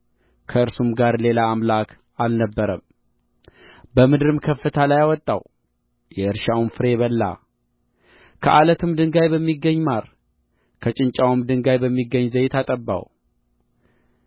ከእርሱም ጋር ሌላ አምላክ አልነበረም በምድር ከፍታ ላይ አወጣው የእርሻውን ፍሬ በላ ከዓለትም ድንጋይ በሚገኝ ማር ከጭንጫውም ድንጋይ በሚገኝ ዘይት አጠባው